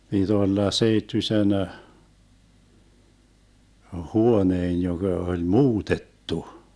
piti olla seittyisen huoneen joka oli muutettu